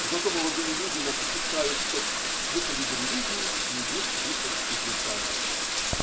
Зато молодые люди нас утешают, что выход из религии не есть выход из национальности.